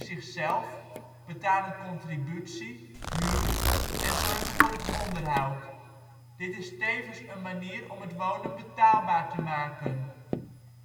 zichzelf, betalen contributie (huur) en zorgen voor het onderhoud. Dit is een tevens een manier om het wonen betaalbaar te maken.